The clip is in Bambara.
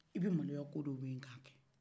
i be maloya ko dɔw bɛ yen k'a kɛ